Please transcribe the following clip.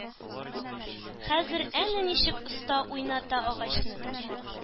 Хәзер әнә ничек оста уйната агачны,